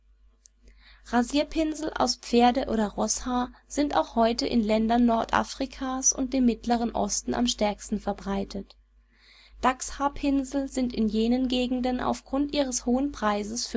Rasierpinsel aus Pferde - oder Rosshaar sind auch heute in Ländern Nordafrikas und dem Mittleren Osten am stärksten verbreitet. Dachshaarpinsel sind in jenen Gegenden aufgrund ihres hohen Preises